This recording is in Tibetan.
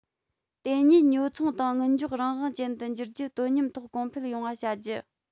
དེ ཉིད ཉོ ཚོང དང དངུལ འཇོག རང དབང ཅན དུ འགྱུར རྒྱུ དོ མཉམ ཐོག གོང འཕེལ ཡོང བ བྱ རྒྱུ